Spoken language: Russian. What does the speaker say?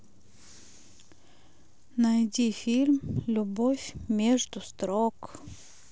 найди фильм любовь между строк